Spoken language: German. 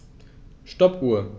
Stoppuhr.